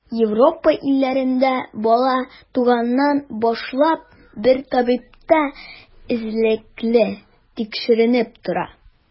Европа илләрендә бала, туганнан башлап, бер табибта эзлекле тикшеренеп тора.